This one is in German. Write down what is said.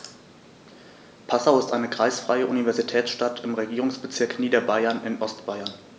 Passau ist eine kreisfreie Universitätsstadt im Regierungsbezirk Niederbayern in Ostbayern.